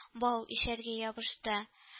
Бау ишәргә ябышты